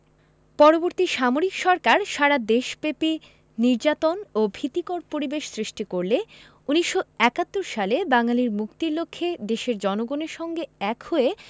পরবর্তী সামরিক সরকার সারা দেশব্যাপী নির্যাতন ও ভীতিকর পরিবেশ সৃষ্টি করলে ১৯৭১ সালে বাঙালির মুক্তির লক্ষ্যে দেশের জনগণের সঙ্গে এক হয়ে